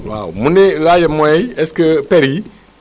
waaw mu ne laajam mooy est ce que per yi